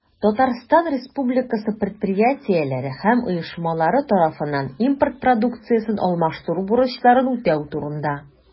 Татарстан Республикасы предприятиеләре һәм оешмалары тарафыннан импорт продукциясен алмаштыру бурычларын үтәү турында.